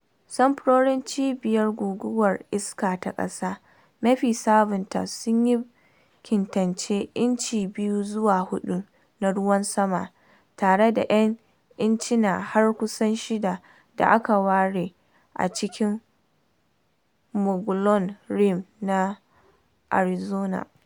Samfurorin Cibiyar Guguwar Iska ta Ƙasa mafi sabunta sun yi kintacen incina 2 zuwa 4 na ruwan sama, tare da ‘yan incina har kusan 6 da aka ware a cikin Mogollon Rim na Arizona.